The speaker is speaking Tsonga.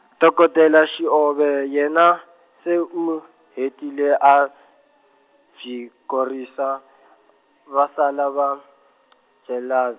dokodela Xiove yena, se u hetile a, byi korisa , va sala va , jela-.